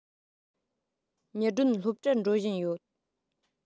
ཉི སྒྲོན སློབ གྲྭར འགྲོ བཞིན ཡོད